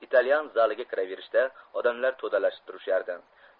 italyan zaliga kiraverishda odamlar to'dalashib turishardi